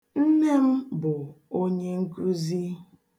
Nne m bụ onyenkụzi.